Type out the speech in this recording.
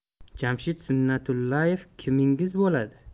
jamshid sunnatullaev kimingiz bo'ladi